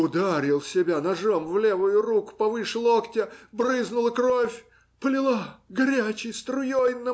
Ударил себя ножом в левую руку повыше локтя, брызнула кровь, полила горячей струей